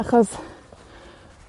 achos,